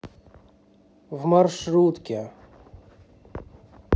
в маршрутке